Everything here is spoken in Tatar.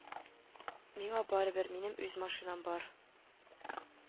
Миңа барыбер, минем үз машинам бар